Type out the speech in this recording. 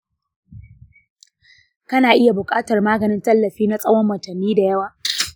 kuna iya buƙatar maganin tallafi na tsawon watanni da yawa.